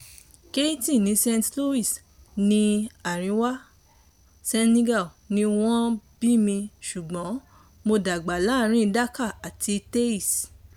Keyti : ní Saint-Louis ní àríwá Senegal ni wọ́n bí mi sí ṣùgbọ́n mo dàgbà láàárín Dakar àti Thiès.